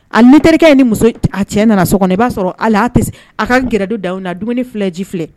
A terikɛ ye ni muso a cɛ nana so kɔnɔ i b'a sɔrɔ tɛ a ka gɛrɛ don dawu na dumuni filɛji filɛ